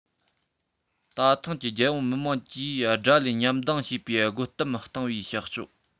ད ཐེངས ཀྱི རྒྱལ ཡོངས མི དམངས ཀྱིས དགྲ ལ མཉམ སྡང བྱེད པའི རྒོལ གཏམ བཏང བའི བྱ སྤྱོད